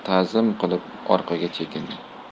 tazim qilib orqaga chekindi